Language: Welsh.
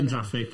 Dim traffig.